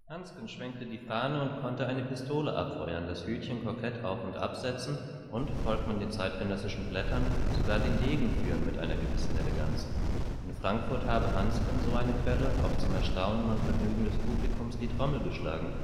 Hansken schwenkte die Fahne und konnte eine Pistole abfeuern, das Hütchen kokett auf - und absetzen und, folgt man den zeitgenössischen Blättern, sogar den Degen führen mit einer gewissen Eleganz; in Frankfurt habe Hansken, so eine Quelle, auch zum Erstaunen und Vergnügen des Publikums die Trommel geschlagen